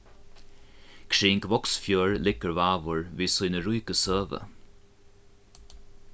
kring vágsfjørð liggur vágur við síni ríku søgu